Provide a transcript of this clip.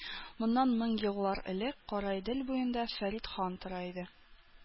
Моннан мең еллар элек Кара Идел буенда Фәрит хан тора иде.